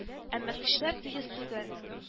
Әмма көчләр тигез түгел